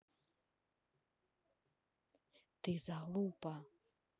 ты залупа